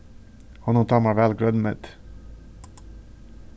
honum dámar væl grønmeti